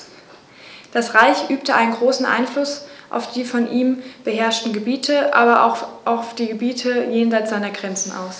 Das Reich übte einen großen Einfluss auf die von ihm beherrschten Gebiete, aber auch auf die Gebiete jenseits seiner Grenzen aus.